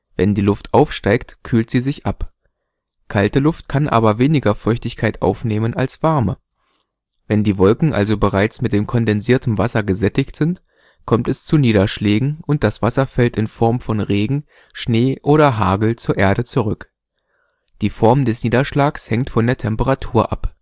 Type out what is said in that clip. Wenn die Luft aufsteigt, kühlt sie sich ab. Kalte Luft kann aber weniger Feuchtigkeit aufnehmen als warme. Wenn die Wolken also bereits mit kondensiertem Wasser gesättigt sind, kommt es zu Niederschlägen, und das Wasser fällt in Form von Regen, Schnee oder Hagel zur Erde zurück. Die Form des Niederschlags hängt von der Temperatur ab